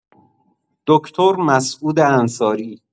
دکتر مسعود انصاری